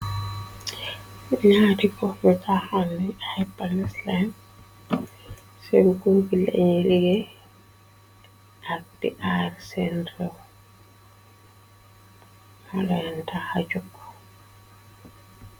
nati ko no taxanni y pansland sen kungi lañe liggée ak di aresendro molentaxa jokko